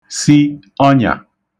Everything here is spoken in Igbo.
si ọnyà